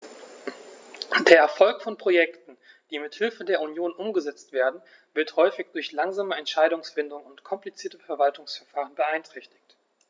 Der Erfolg von Projekten, die mit Hilfe der Union umgesetzt werden, wird häufig durch langsame Entscheidungsfindung und komplizierte Verwaltungsverfahren beeinträchtigt.